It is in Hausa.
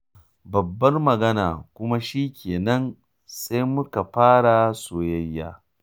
Babbar magana ‘kuma shi ke nan sai muka fara soyayya’